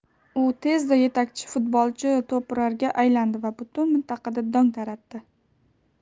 u tezda yetakchi futbolchi to'purarga aylandi va butun mintaqada dong taratdi